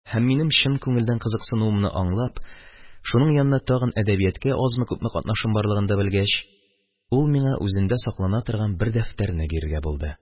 Һәм минем чын күңелдән кызыксынуымны аңлап, шуның янына тагын әдәбиятка азмы-күпме катнашым барлыгын да белгәч, ул миңа үзендә саклана торган бер дәфтәрне бирергә булды.